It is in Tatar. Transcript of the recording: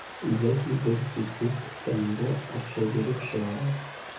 Зәки бер сүзсез Фәнилгә акча биреп чыгара.